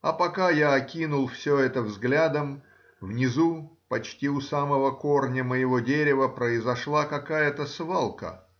а пока я окинул все это взглядом, внизу, почти у самого корня моего дерева, произошла какая-то свалка